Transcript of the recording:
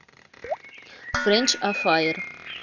френч а фаер